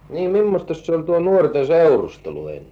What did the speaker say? niin millaista se oli tuo nuorten seurustelu ennen